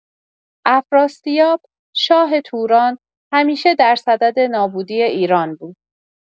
افراسیاب، شاه توران، همیشه در صدد نابودی ایران بود.